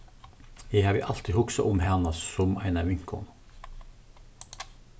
eg havi altíð hugsað um hana sum eina vinkonu